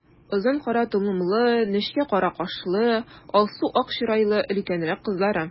Озын кара толымлы, нечкә кара кашлы, алсу-ак чырайлы өлкәнрәк кызлары.